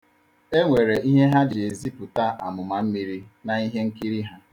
E nwere ihe ha ji ezipụta amụmammiri na ihe nkiri ha.